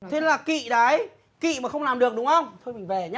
thế là kị đấy kị mà không làm được đúng không thôi mình về nhớ